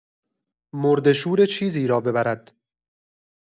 مرده‌شور چیزی را ببرد